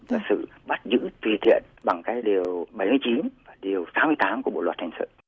là sự bắt giữ tùy tiện bằng cái điều bảy mươi chín và điều sáu mươi tám của bộ luật hình sự